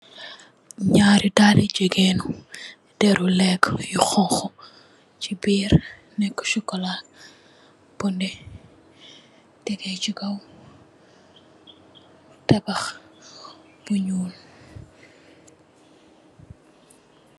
Naari daali jigéen dèru lekk yu honku, chi biir nek sokola bu nè tégé chi kaw tabah bi ñuul.